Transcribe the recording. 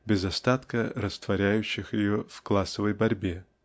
без остатка растворяющих ее в классовой борьбе).